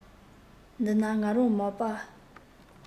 འདི ན ང རང མག པ